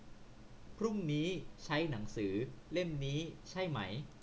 พรุ่งนี้ใช้หนังสือเล่มนี้ใช่ไหม